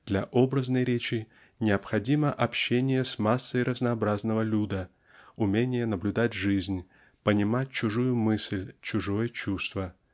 Для образной речи необходимо общение с массой разнообразного люда уменье наблюдать жизнь понимать чужую мысль чужое чувство.